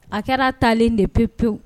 A kɛra talen de pewu